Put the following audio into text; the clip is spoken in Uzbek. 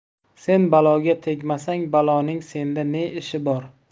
sen baloga tegmasang baloning senda ne ishi bor